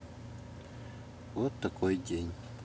вот такой день